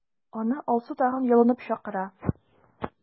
Аны Алсу тагын ялынып чакыра.